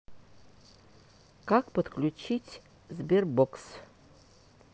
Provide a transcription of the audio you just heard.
как подключить sberbox